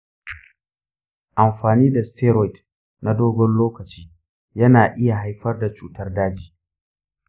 amfani da steroid na dogon lokaci yana iya haifar da cutar daji?